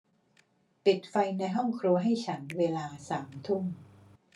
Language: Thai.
ปิดไฟในห้องครัวให้ฉันเวลาสามทุ่ม